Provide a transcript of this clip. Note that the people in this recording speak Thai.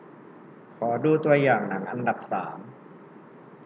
ขอดูตัวอย่างหนังอันดับสาม